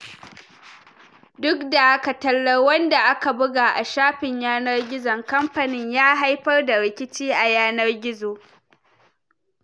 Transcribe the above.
Duk da haka, tallar, wanda aka buga a shafin yanar gizon kamfanin, ya haifar da rikici a yanar gizo.